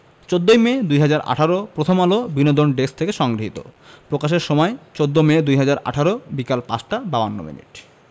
১৪ই মে ২০১৮ প্রথমআলোর বিনোদন ডেস্কথেকে সংগ্রহীত প্রকাশের সময় ১৪মে ২০১৮ বিকেল ৫টা ৫২ মিনিট